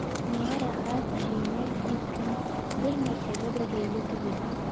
Миңа рәхәт, җиңел, иркен, бернәрсәгә дә бәйле түгел...